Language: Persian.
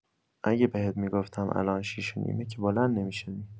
اگه بهت می‌گفتم الان شیش و نیمه که بلند نمی‌شدی.